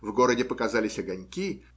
в городе показались огоньки